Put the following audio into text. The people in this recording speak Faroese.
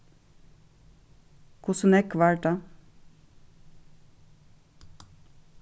hvussu nógv var tað